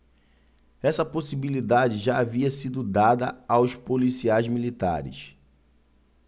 essa possibilidade já havia sido dada aos policiais militares